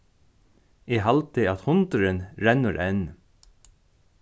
eg haldi at hundurin rennur enn